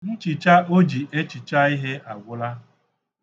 Nchicha o ji echicha ihe agwụla.